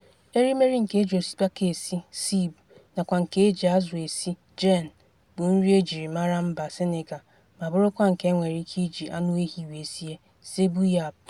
Erimeri nke e ji osikapa esi (ceeb) nakwa nke e ji azụ esi (jenn) bụ nri e jiri mara mba Sịnịgal ma bụrụkwa nke e nwere ike iji anụehi wee sie (ceebu yapp).